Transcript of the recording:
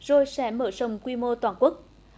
rồi sẽ mở rộng quy mô toàn quốc